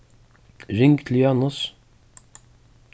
ring til janus